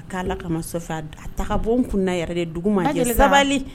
A k'a la ka ma a taga bɔ kun yɛrɛ de dugu ma